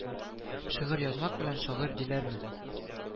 Шигырь язмак белән шагыйль диләрме